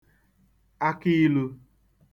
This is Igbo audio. akiilū